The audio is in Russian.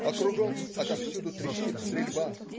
А кругом, отовсюду трещит стрельба.